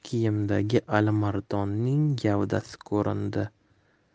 kiyimdagi alimardonning gavdasi ko'rindi